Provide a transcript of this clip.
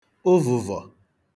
ụvụ̀vọ̀